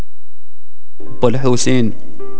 الحوثيين